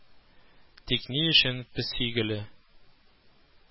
Тик ни өчен песи гөле